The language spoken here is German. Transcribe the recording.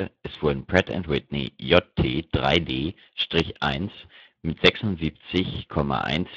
es wurden Pratt & Whitney JT3D-1 mit 76,10